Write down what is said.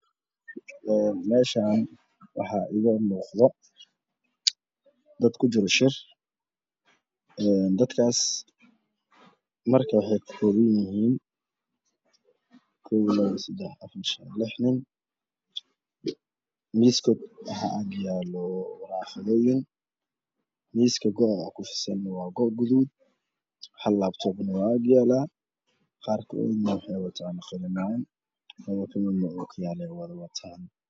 Een Meeshaan waxaa iiga muuqda dad ku jiro shir een dadkaas marka waxay ka kooban yihiin 123456 nin miiskooda waxaa ag yaalo waraaqadooyin miiska go a ku fidsan waa go a gaduud hal laabtoobna waa agyaala qaarkoodna waxay wataan qalimaan qaarkoodna okiyalo wada wataan